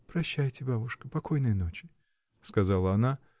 — Прощайте, бабушка, покойной ночи! — сказала она.